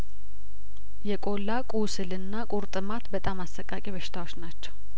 የቆላ ቁስልና ቁርጥ ማት በጣም አሰቃቂ በሽታዎች ናቸው